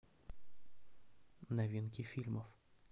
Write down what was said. новинки фильмов